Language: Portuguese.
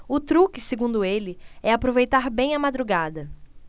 o truque segundo ele é aproveitar bem a madrugada